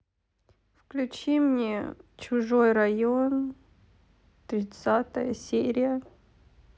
включи мне чужой район тридцатая серия